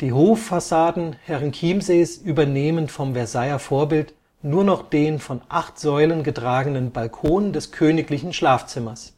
Hoffassaden Herrenchiemsees übernehmen vom Versailler Vorbild nur noch den von acht Säulen getragenen Balkon des königlichen Schlafzimmers